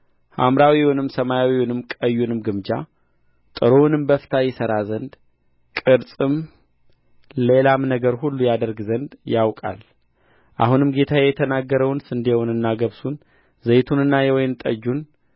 ሐምራዊውንና ሰማያዊውን ቀዩንም ግምጃ ጥሩውንም በፍታ ይሠራ ዘንድ ቅርጽም ሌላም ነገር ሁሉ ያደርግ ዘንድ ያውቃል አሁንም ጌታዬ የተናገረውን ስንዴውንና ገብሱን ዘይቱንና የወይን ጠጁን